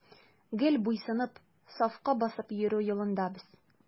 Гел буйсынып, сафка басып йөрү юлында без.